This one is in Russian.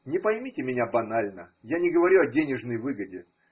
Не поймите меня банально, я не говорю о денежной выгоде